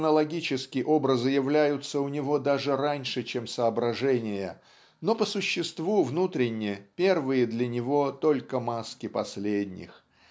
хронологически образы являются у него даже раньше чем соображения но по существу внутренне первые для него только маски последних.